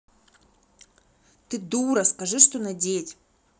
ты дура скажи что надеть